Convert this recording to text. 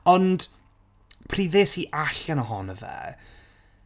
Ond pryd ddes i allan ohonno fe...